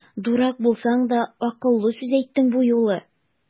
Дурак булсаң да, акыллы сүз әйттең бу юлы!